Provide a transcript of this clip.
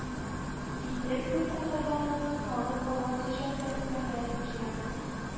Идел буе татарларының халык аваз иҗаты әсәрләрен җыя